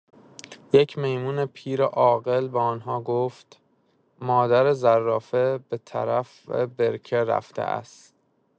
یک میمون پیر عاقل به آنها گفت: مادر زرافه به‌طرف برکه رفته است.